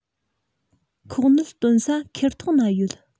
ཁོག ནད སྟོན ས ཁེར ཐོག ན ཡོད